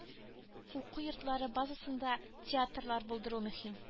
Уку йортлары базасында театрлар булдыру мөһим